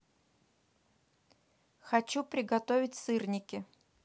хочу приготовить сырники